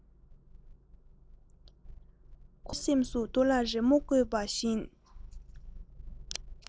ཁོ བོའི སེམས སུ རྡོ ལ རི མོ བརྐོས པ བཞིན